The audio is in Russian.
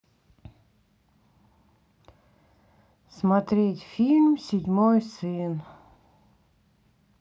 смотреть фильм седьмой сын